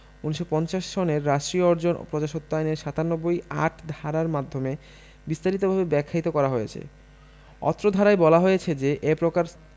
১৯৫০ সনের রাষ্ট্রীয় অর্জন ও প্রজাস্বত্ব আইনের ৯৭ ৮ ধারার মাধ্যমে বিস্তারিতভাবে ব্যাখ্যায়িত করা হয়েছে অত্র ধারায় বলা হয়েছে যে এ প্রকার